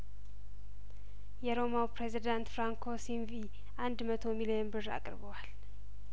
የሮማው ፕሬዚዳንት ፍራንኮ ሴን ቪ አንድ መቶ ሚሊዮን ብር አቅርበዋል